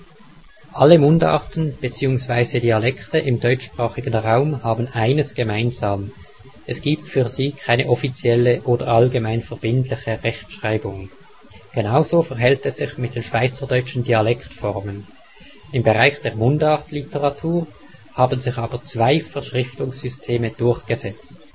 Alle Mundarten beziehungsweise Dialekte im deutschsprachigen Raum haben eines gemeinsam: es gibt für sie keine offizielle oder allgemein verbindliche Rechtschreibung. Genauso verhält es sich mit den schweizerdeutschen Dialektformen. Im Bereich der Mundartliteratur haben sich aber zwei Verschriftungssysteme durchgesetzt